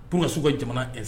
U ka sokɛ ka jamana tɛ se